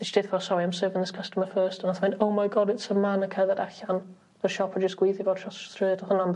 nexh i deutho fo sorry I'm serving this customer first a nath mynd oh my God it's a man a cerdded allan yr siop a jys gweiddi fo tros y stryd o' hwnna yn...